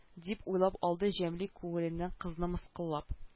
Дип уйлап алды җәмил күңеленнән кызны мыскыллап